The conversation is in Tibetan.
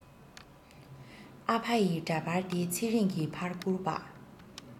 ཨ ཕ ཡི འདྲ པར དེ ཚེ རིང གི ཕར བསྐུར པ